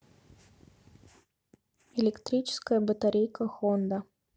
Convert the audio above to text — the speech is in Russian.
электрическая батарейка хонда